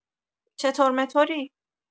چطور مطوری؟